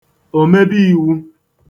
òmebeīwū